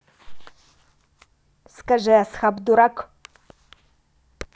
скажи асхаб дурак